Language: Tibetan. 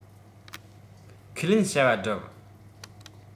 ཁས ལེན བྱ བ བསྒྲུབ